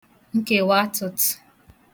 nkèwaàtụ̀tụ